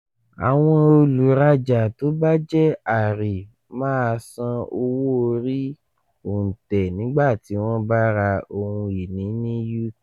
Àwọn olùrajà tó bá jẹ́ àrè máa san owó orí òǹtẹ̀ nígbàtí wọ́n bá ra ohun iní ní UK